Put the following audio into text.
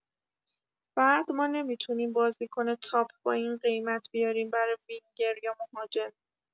بعد ما نمی‌تونیم بازیکن تاپ با این قیمت بیاریم برا وینگر یا مهاجم